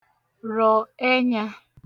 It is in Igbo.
rọ̀ ẹnyā